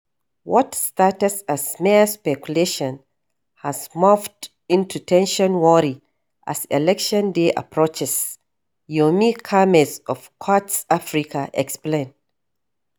What started as mere speculation has morphed into intense worry as election day approaches. Yomi Kamez of Quartz Africa explains: